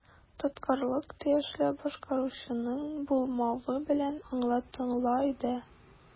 Тоткарлык тиешле башкаручының булмавы белән аңлатыла иде.